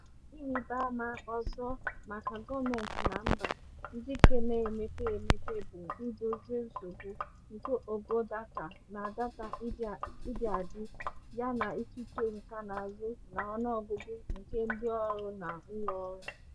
Ihe ịrịbaama ọzọ maka gọọmentị na mba ndị ka na-emepe emepe bụ idozi nsogbu nke ogo data na data ịdị adị, yana ikike nkànaụzụ na ọnụọgụgụ nke ndịọrụ na ụlọọrụ.